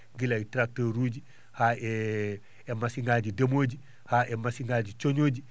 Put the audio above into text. gila e tracteur uji haa e massiŋaaji ndemooji haa e massiŋaaji coñooji